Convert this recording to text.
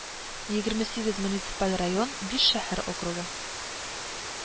Егерме сигез муниципаль район, биш шәһәр округы